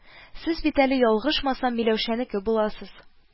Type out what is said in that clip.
Сез бит әле, ял-гышмасам, Миләүшәнеке буласыз